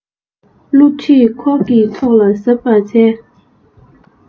བསླུ བྲིད འཁོར གྱི ཚོགས ལ གཟབ པར འཚལ